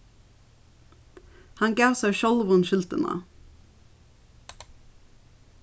hann gav sær sjálvum skyldina